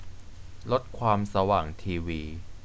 ลดความสว่างทีวี